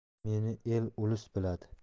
meni el ulus biladi